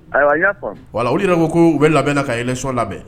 Ayiwa n y'a faamu, wala, olu yɛrɛ de ko k'u bɛ labɛnna election labɛn.